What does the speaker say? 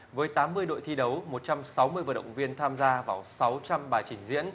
với tám mươi đội thi đấu một trăm sáu mươi vận động viên tham gia vào sáu trăm bài trình diễn